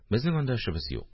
Безнең анда эшебез юк